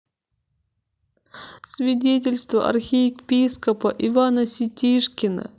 свидетельство архиепископа ивана сетишкина